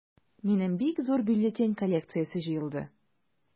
Минем бик зур бюллетень коллекциясе җыелды.